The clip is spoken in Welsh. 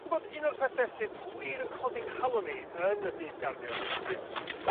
Ch'bod un o'r pethe sydd wir yn codi nghalon i yn y bydd garddio ar hyn o bryd